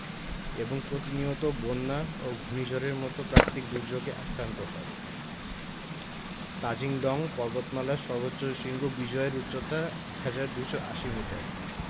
এবং প্রতিনিয়ত বন্যা ও ঘূর্ণিঝড়ের মতো প্রাকিতিক দুর্যোগে আক্রান্ত হয় তাজিং ডং পর্বতমালার সর্বোচ্চ শৃঙ্গ বিজয় এর উচ্চতা ১হাজার ২৮০ মিটার